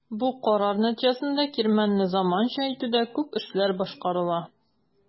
Бу карар нәтиҗәсендә кирмәнне заманча итүдә күп эшләр башкарыла.